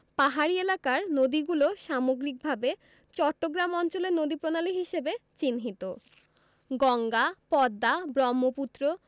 পাহাড়ী এলাকার নদীগুলো সামগ্রিকভাবে চট্টগ্রাম অঞ্চলের নদীপ্রণালী হিসেবে চিহ্নিত গঙ্গা পদ্মা ব্রহ্মপুত্র